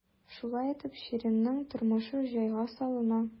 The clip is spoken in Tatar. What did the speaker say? Шулай итеп, Ширинның тормышы җайга салына.